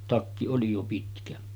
takki oli jo pitkä